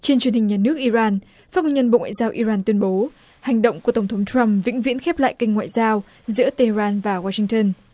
trên truyền hình nhà nước i ran phát ngôn nhân bộ ngoại giao i ran tuyên bố hành động của tổng thống trăm vĩnh viễn khép lại kênh ngoại giao giữa tê ran và oa sinh tơn